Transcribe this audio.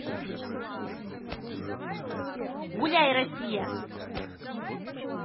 гуляй россия